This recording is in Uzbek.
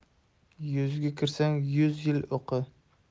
yuzga kirsang yuz yil o'qi